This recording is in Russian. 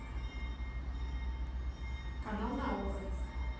канал наука